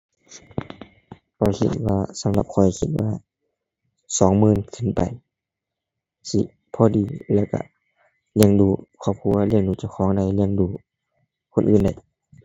ข้อยคิดว่าสำหรับข้อยคิดว่าสองหมื่นขึ้นไป สิพอดี แล้วก็เลี้ยงดูครอบครัว เลี้ยงดูเจ้าของได้ เลี้ยงดูคนอื่นได้